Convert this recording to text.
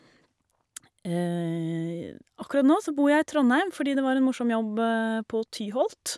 Akkurat nå så bor jeg i Trondheim fordi det var en morsom jobb på Tyholt.